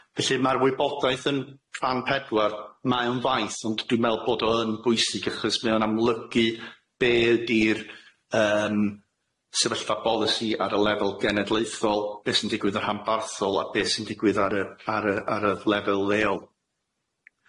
Felly ma'r wybodaeth yn rham pedwar, mae o'n faith ond dwi me'wl bod o yn bwysig achos mae o'n amlygu be' ydi'r yym sefyllfa bolisi ar y lefel genedlaethol be' sy'n digwydd o rhanbarthol a be' sy'n digwydd ar y ar y ar y lefel leol.